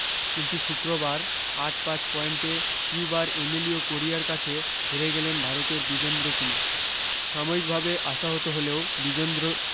কিন্তু শুক্রবার আট পাঁচ পয়েন্টে কিউবার এমিলিও কোরিয়ার কাছে হেরে গেলেন ভারতের বিজেন্দ্র কুমার সাময়িক ভাবে আশাহত হলেও বিজেন্দ্র